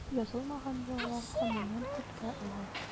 Язылмаган йолалар кануннан күпкә олы.